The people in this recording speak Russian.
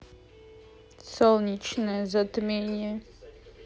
солнечное затмение